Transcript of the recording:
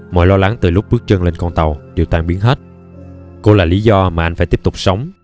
mọi lo lắng từ lúc bước chân lên con tàu đều tan biến hết cô là lý do mà anh phải tiếp tục sống